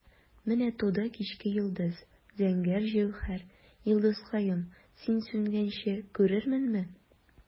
Менә туды кичке йолдыз, зәңгәр җәүһәр, йолдызкаем, син сүнгәнче күрерменме?